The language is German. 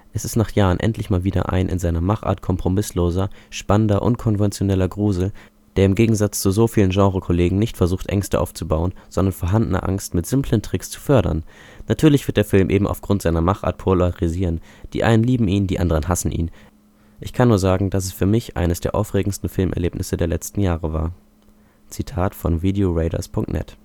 Es ist nach Jahren endlich mal wieder ein in seiner Machart kompromissloser, spannender, unkonventioneller Grusel – der im Gegensatz zu sovielen Genrekollegen nicht versucht Ängste aufzubauen, sondern vorhandene Ängste mit simplen Tricks zu fördern. Natürlich wird der Film eben aufgrund seiner Machart polarisieren – die einen lieben ihn, die anderen hassen ihn – ich kann nur sagen, dass es für mich eines der aufregendsten Filmerlebnisse der letzten Jahre war. “– VideoRaiders.net